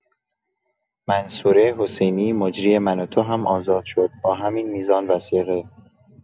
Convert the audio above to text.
منصوره حسینی مجری من و تو هم آزاد شد، با همین میزان وثیقه!